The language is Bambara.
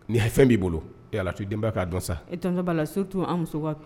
Ɛɛ, ni fɛn b'i bolo e allah a to denbaya k'a dɔn sa ! Ee tonton Bala an muso ka